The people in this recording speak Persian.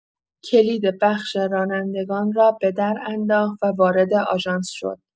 کلید بخش رانندگان را به در انداخت و وارد آژانس شد.